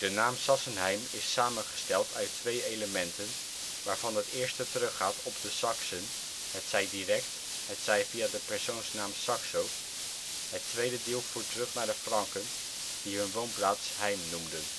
naam Sassenheim is samengesteld uit twee elementen, waarvan het eerste teruggaat op de Saksen (hetzij direct, hetzij via de persoonsnaam Saxo). Het tweede deel voert terug naar de Franken, die hun woonplaats " heim " noemden